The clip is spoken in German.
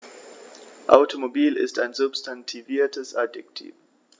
Automobil ist ein substantiviertes Adjektiv.